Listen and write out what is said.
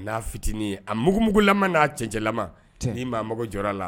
N'a fitinin a mugugugula n'a cɛncɛ t ni maa mago jɔ la